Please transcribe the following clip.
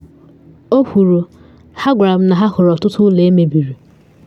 O kwuru “ha gwara m na ha hụrụ ọtụtụ ụlọ emebiri,”.